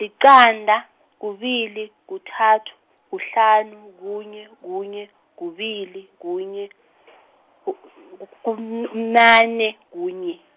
liqanda, kubili, kuthathu, kuhlanu, kunye, kunye, kubili, kunye ku- kun- nane, kunye .